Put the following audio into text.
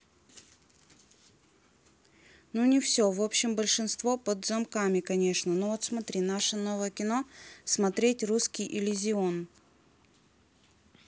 ну не все в общем большинство под замками конечно ну вот смотри наше новое кино смотреть русский иллюзион